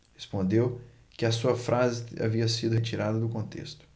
respondeu que a sua frase havia sido tirada do contexto